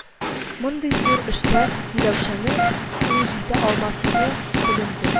Мондый зур эшкә Миләүшәнең суы җитә алмас-лыгы беленде